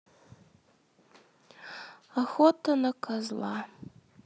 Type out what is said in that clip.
охота на козла